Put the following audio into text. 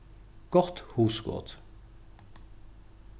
gott hugskot